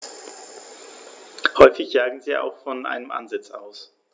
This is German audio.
Häufig jagen sie auch von einem Ansitz aus.